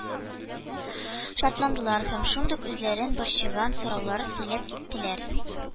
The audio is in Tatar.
Шатландылар һәм шундук үзләрен борчыган сорауларын сөйләп киттеләр